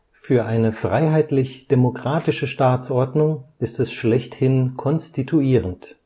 Für eine freiheitlich-demokratische Staatsordnung ist es schlechthin konstituierend